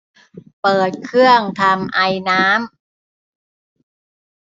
เปิดเครื่องทำไอน้ำ